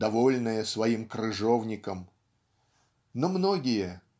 довольное своим крыжовником. Но многие